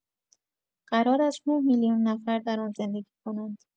قرار است ۹ میلیون نفر در آن زندگی کنند.